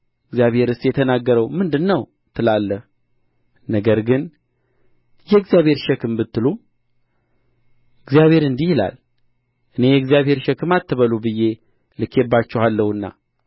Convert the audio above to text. እግዚአብሔርስ የተናገረው ምንድር ነው ትላለህ ነገር ግን የእግዚአብሔር ሸክም ብትሉ እግዚአብሔር እንዲህ ይላል እኔ የእግዚአብሔር ሸክም አትበሉ ብዬ ልኬባችኋለሁና